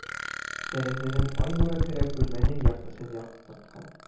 Тәрәзәдән ай нуры кереп, бүлмәнең яртысын яктырткан